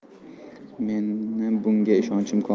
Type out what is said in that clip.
meni bunga ishonchim komil